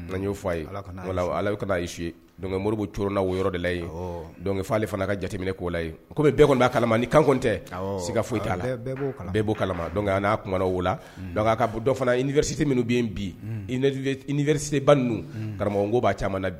F' ye alasu mori cna yɔrɔ dela yenke'ale fana ka jateminɛ ko'laye kɔmi bɛɛ kɔni' kala ni kan tɛ siiga foyi t'a kala n'a kumana la ka bɔ dɔ fana iisi minnu bɛ yen bisiban karamɔgɔ b' caman na